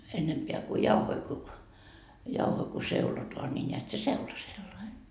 ennempää kun jauhoja kun jauhoja kun seulotaan niin näet se seula sellainen